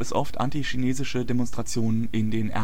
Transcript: oft antichinesische Demonstrationen in den